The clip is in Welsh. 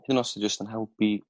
hydnod os dio jyst yn helpu